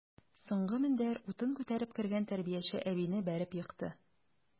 Соңгы мендәр утын күтәреп кергән тәрбияче әбине бәреп екты.